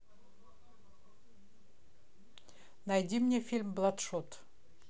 найди мне фильм бладшот